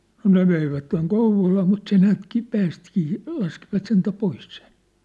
no ne veivät Kouvolaan mutta se näetkin päästikin laskivat sentään pois sen